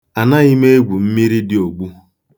Anaghị m egwu mmiri dị ogbu.